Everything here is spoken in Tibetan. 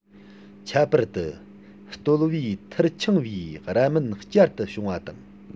ཁྱད པར དུ རྟོལ བུའི ཐུར འཕྱང བའི རྭ མེན བསྐྱར དུ བྱུང བ དང